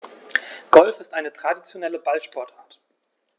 Golf ist eine traditionelle Ballsportart.